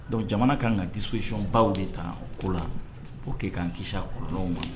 Dɔnku jamana kan ka disoy baw de ta o ko la'o kɛ k'an ki kɔrɔɔrɔndɔn ma